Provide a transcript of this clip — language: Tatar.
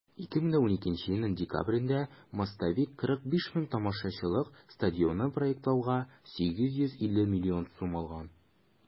2012 елның декабрендә "мостовик" 45 мең тамашачылык стадионны проектлауга 850 миллион сум алган.